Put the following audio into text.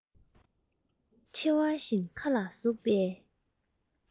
མཆེ བ བཞིན མཁའ ལ ཟུག བའི